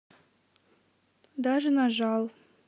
даже нажал